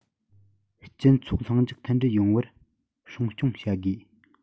སྤྱི ཚོགས ལྷིང འཇགས མཐུན སྒྲིལ ཡོང བར སྲུང སྐྱོང བྱ དགོས